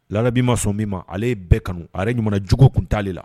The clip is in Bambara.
Labi ma sɔn min ma ale bɛɛ kanu ale ye ɲumanmana jugu tun t'ale la